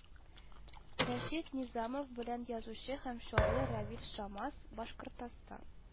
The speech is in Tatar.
Рәшит Низамов белән язучы һәм шагыйрь Равил Шаммас “Башкортстан